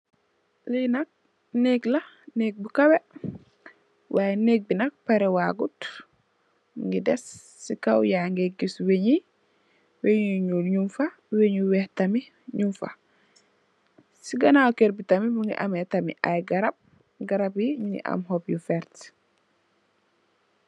Li nak neeg la neeg bu kawex y neeg bi nak pere wagud mongi dess si kaw yangeh giss wenyi weng yu nuul nyun fa weng yu weex nyun fa si ganaw keur bi tamit mongi ame ay xoob bu werta la.